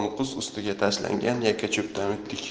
ustiga tashlangan yakkacho'pdan o'tdik